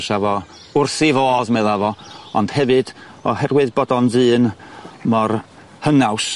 'Sa fo wrth i fodd, medda fo ond hefyd oherwydd bod o'n ddyn mor hynaws